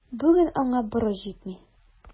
Бүген аңа борыч җитми.